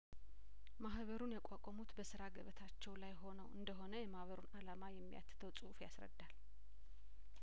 ማህበሩን ያቋቋሙት በስራ ገበታቸው ላይ ሆነው እንደሆነ የማህበሩን አላማ የሚያትተው ጽሁፍ ያስረዳል